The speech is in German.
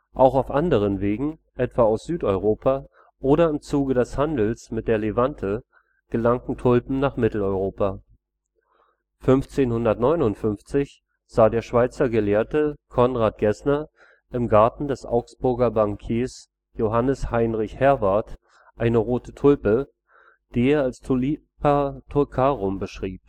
Auch auf anderen Wegen, etwa aus Südeuropa oder im Zuge des Handels mit der Levante, gelangten Tulpen nach Mitteleuropa. 1559 sah der Schweizer Gelehrte Conrad Gesner im Garten des Augsburger Bankiers Johannes Heinrich Herwarth eine rote Tulpe, die er als Tulipa Turcarum beschrieb